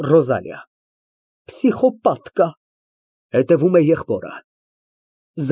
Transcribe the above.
ՌՈԶԱԼԻԱ ֊ Պսիխոպատկա (Հետևում է եղբորը)։